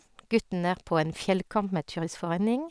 Gutten er på en fjellcamp med Turistforening.